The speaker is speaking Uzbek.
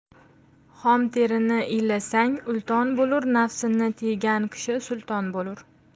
xom terini iylasang ulton bo'lur nafsini tiygan kishi sulton bo'lur